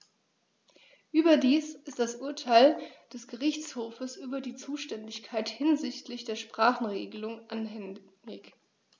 Überdies ist das Urteil des Gerichtshofes über die Zuständigkeit hinsichtlich der Sprachenregelung anhängig.